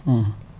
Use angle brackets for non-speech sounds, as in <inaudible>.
<hesitation> <hesitation>